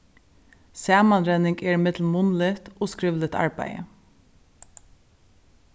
samanrenning er millum munnligt og skrivligt arbeiði